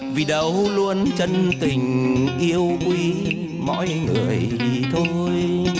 vì đấu luôn chân tình yêu quý mọi người thì thôi